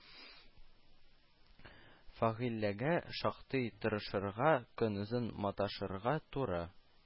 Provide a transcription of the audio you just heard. Фәгыйләгә шактый тырышырга, көнозын маташырга туры